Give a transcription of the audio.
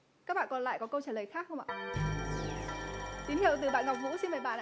các bạn còn lại có câu trả lời khác không ạ tín hiệu từ bạn ngọc vũ xin mời bạn ạ